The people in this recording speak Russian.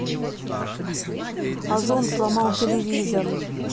ozon сломал телевизор